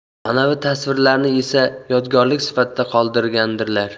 manavi tasvirlarni esa yodgorlik sifatida qoldirgandirlar